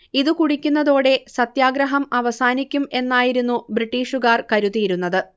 ഇതു കുടിക്കുന്നതോടെ സത്യാഗ്രഹം അവസാനിക്കും എന്നായിരുന്നു ബ്രിട്ടീഷുകാർ കരുതിയിരുന്നത്